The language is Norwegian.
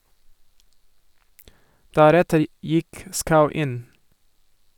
Deretter gikk Schau inn.